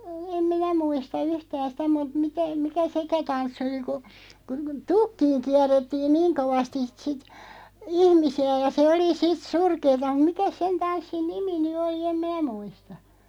en minä muista yhtään sitä mutta mitä mikä sekään tanssi oli kun kun tukkiin kierrettiin niin kovasti sitten ihmisiä ja se oli sitten surkeata mutta mikäs sen tanssin nimi nyt oli en minä muista